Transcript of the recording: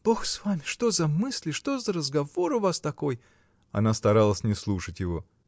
— Бог с вами: что за мысли, что за разговор у вас такой!. Она старалась не слушать его.